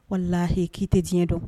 Walahi k'i tɛ diɲɛ don